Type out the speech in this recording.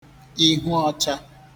ihu ọcha